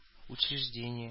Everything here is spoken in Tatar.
Учреждение